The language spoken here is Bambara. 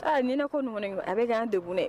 Aaa ɲin koɔgɔnɔni a bɛ'an de bon